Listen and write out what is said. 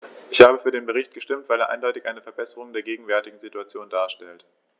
Ich habe für den Bericht gestimmt, weil er eindeutig eine Verbesserung der gegenwärtigen Situation darstellt.